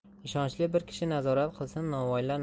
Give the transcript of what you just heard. ishonchli bir kishi nazorat qilsin novvoylar